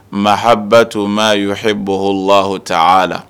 Ma habato ma yɔrɔ bɔɔ wata a la